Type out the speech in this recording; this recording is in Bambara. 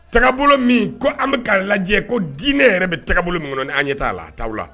Tagabolo min ko an bɛ k'a lajɛ ko dinɛ yɛrɛ bɛ tagabolo min kɔnɔ an ɲɛ t'a la, a t'aw la.